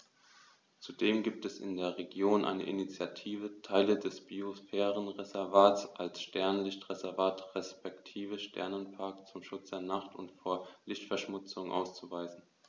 Zudem gibt es in der Region eine Initiative, Teile des Biosphärenreservats als Sternenlicht-Reservat respektive Sternenpark zum Schutz der Nacht und vor Lichtverschmutzung auszuweisen.